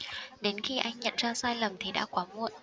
đến khi anh nhận ra sai lầm thì đã quá muộn